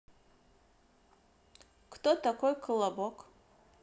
кто такой колобок